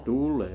tulee